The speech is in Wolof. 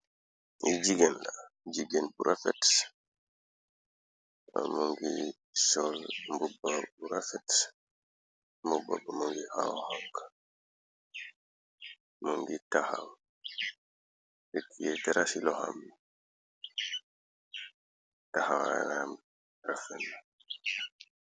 Ni jiggén la jigeen bu rafets mu ngiy sol mbubba bu rafet mubaba mungi awhong mu ngi taxaw rit yay taraxshi loxam yi taxaaam rafen.